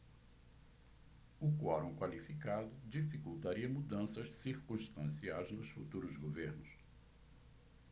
o quorum qualificado dificultaria mudanças circunstanciais nos futuros governos